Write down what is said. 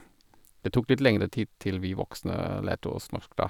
Det tok litt lengre tid til vi voksne lærte oss norsk, da.